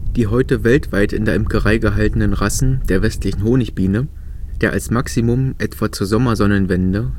Die heute weltweit in der Imkerei gehaltenen Rassen der Westlichen Honigbiene leben in einem Staat, der als Maximum etwa zur Sommersonnenwende